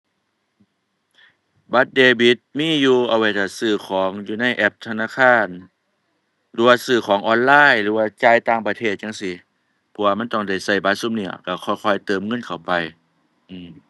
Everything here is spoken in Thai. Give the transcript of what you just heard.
บัตรเดบิตมีอยู่ เอาไว้ถ้าซื้อของอยู่ในแอปธนาคารหรือว่าซื้อของออนไลน์หรือว่าจ่ายต่างประเทศจั่งซี้ เพราะว่ามันต้องได้ใช้บัตรซุมนี้อะ ใช้ค่อยค่อยเติมเงินเข้าไป